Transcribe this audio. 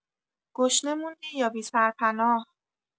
گشنه موندی یا بی‌سرپناه؟